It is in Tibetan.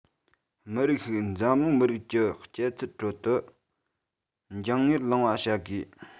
མི རིགས ཤིག འཛམ གླིང མི རིགས ཀྱི སྐྱེད ཚལ ཁྲོད དུ འགྱིང ངེར ལངས པར བྱ དགོས